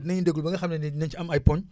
dina ñu déglu ba nga xam ne nii dina ci am ay poñ